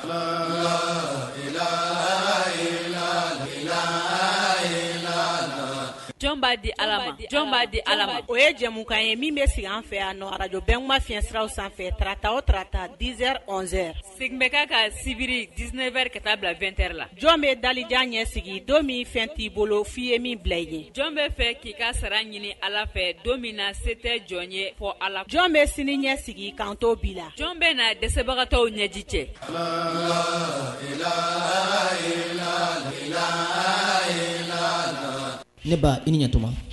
Jɔn'a di jɔn di ala o ye jamumukan ye min bɛ sigi an fɛ yanj bɛɛ ma fiɲɛyɛnsiraw sanfɛ tata o tata diz z segu bɛ ka ka sibiri dsinɛ wɛrɛri ka taa bila2t la jɔn bɛ dalijan ɲɛ sigi don min fɛn t'i bolo f'i ye min bila i ye jɔn bɛ fɛ k' ii ka sara ɲini ala fɛ don min na se tɛ jɔn ye fɔ a jɔn bɛ sini ɲɛ sigi kan tɔw bi la jɔn bɛ na dɛsɛbagatɔw ɲɛji cɛ netuma